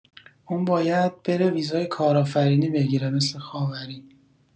اون باید بره ویزای کارآفرینی بگیره مثل خاوری